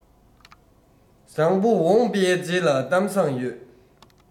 བཟང པོ འོངས པའི རྗེས ལ གཏམ བཟང ཡོད